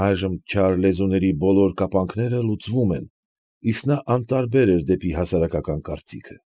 Այժմ չար լեզուների բոլոր կապանքները լուծվում են, իսկ նա անտարբեր էր դեպի հասարակական կարծիքը։